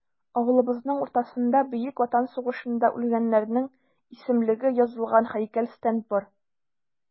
Авылыбызның уртасында Бөек Ватан сугышында үлгәннәрнең исемлеге язылган һәйкәл-стенд бар.